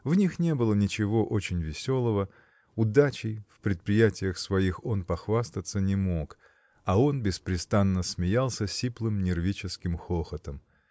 в них не было ничего очень веселого, удачей в предприятиях своих он похвастаться не мог, -- а он беспрестанно смеялся сиплым нервическим хохотом.